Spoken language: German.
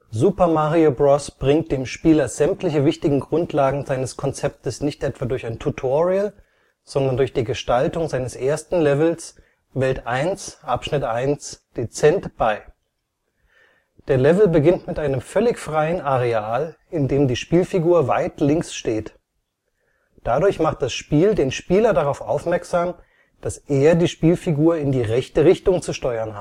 Super Mario Bros. bringt dem Spieler sämtliche wichtigen Grundlagen seines Konzeptes nicht etwa durch ein Tutorial, sondern durch die Gestaltung seines ersten Levels, Welt 1-1, dezent bei. Der Level beginnt mit einem völlig freien Areal, in dem die Spielfigur weit links steht. Dadurch macht das Spiel den Spieler darauf aufmerksam, dass er die Spielfigur in die rechte Richtung zu steuern